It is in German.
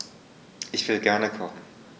Ich will gerne kochen.